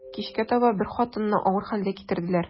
Кичкә таба бер хатынны авыр хәлдә китерделәр.